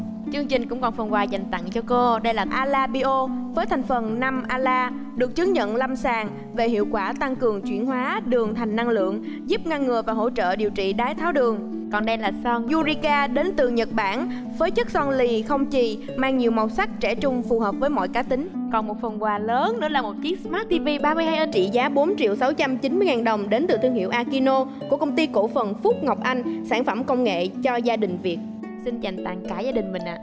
chương trình cũng còn phần quà dành tặng cho cô đây là a la bi ô với thành phần năm a la được chứng nhận lâm sàng về hiệu quả tăng cường chuyển hóa đường thành năng lượng giúp ngăn ngừa và hỗ trợ điều trị đái tháo đường còn đây là son ru ri ca đến từ nhật bản với chất son lỳ không chì mang nhiều màu sắc trẻ trung phù hợp với mọi cá tính còn một phần quà lớn đó là một chiếc sờ mát ti vi ba mươi hai inh trị giá bốn triệu sáu trăm chín mươi ngàn đồng đến từ thương hiệu a ki nô của công ty cổ phần phúc ngọc anh sản phẩm công nghệ cho gia đình việt xin dành tặng cả gia đình mình ạ